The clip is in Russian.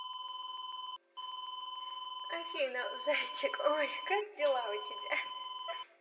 афина зайчик ой как дела у тебя